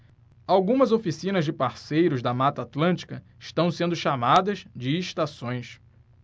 algumas oficinas de parceiros da mata atlântica estão sendo chamadas de estações